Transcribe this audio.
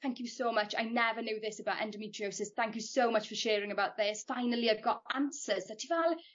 thank you so much I never knew this about endometriosis thank you so much for sharing about this finally I've got answers a ti fel